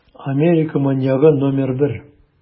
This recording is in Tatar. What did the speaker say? Америка маньягы № 1